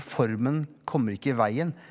formen kommer ikke i veien.